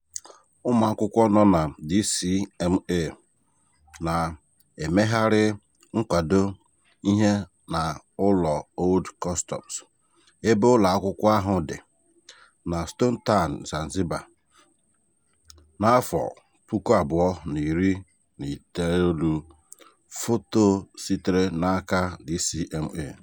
Ụmụakwụkwọ nọ na DCMA na-emegharị nkwado ihe na Ụlọ Old Customs , ebe ụlọakwụkwọ ahụ dị, na Stone Town, Zanzibar, 2019. Foto sitere n'aka DCMA.